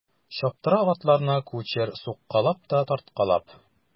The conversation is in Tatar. Чаптыра атларны кучер суккалап та тарткалап.